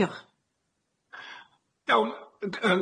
Diolch.